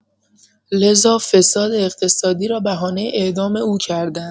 لذا فساد اقتصادی را بهانه اعدام او کرده‌اند.